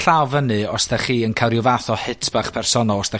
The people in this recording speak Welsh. llaw fyny os 'dach chi yn ca'l ryw fath o hit bach personol os 'dach